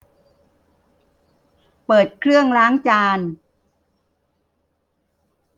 เปิดเครื่องล้างจาน